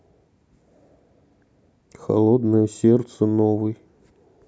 холодное сердце новый